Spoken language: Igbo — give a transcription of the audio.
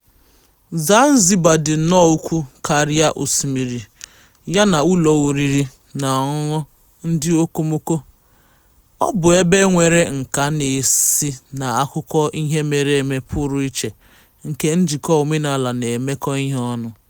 Zanzibar dị nnọọ ukwuu karịa osimmiri ya na ụlọ oriri na ọṅụṅụ ndị okomoko - ọ bụ ebe nwere nkà na-esi na akụkọ ihe mere eme pụrụ iche nke njikọ omenaala na mmekọ ihe ọnụ.